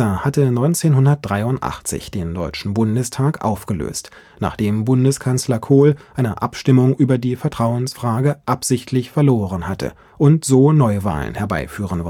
hatte 1983 den Deutschen Bundestag aufgelöst, nachdem Bundeskanzler Kohl eine Abstimmung über die Vertrauensfrage absichtlich verloren hatte und so Neuwahlen herbeiführen